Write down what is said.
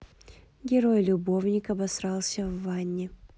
герой любовник обосрался в ванне